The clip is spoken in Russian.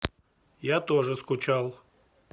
я тоже скучал